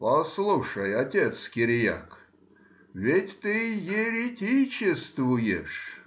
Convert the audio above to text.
— Послушай, отец Кириак, ведь ты еретичествуешь.